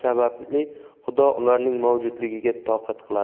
sababli xudo ularning mavjudligiga toqat qiladi